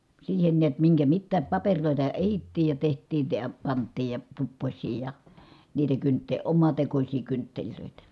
siihen näet minkä mitään papereita ehdittiin ja tehtiin - ja pantiin ja tupposia ja niitä - omatekoisia kynttilöitä